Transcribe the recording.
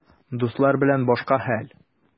Дуслар белән башка хәл.